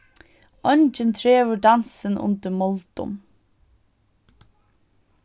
eingin treður dansin undir moldum